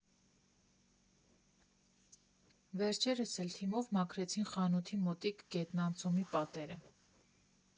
Վերջերս էլ թիմով մաքրեցին խանութին մոտիկ գետնանցումի պատերը։